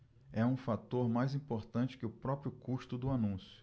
é um fator mais importante que o próprio custo do anúncio